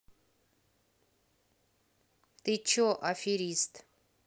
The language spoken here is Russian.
ты че аферист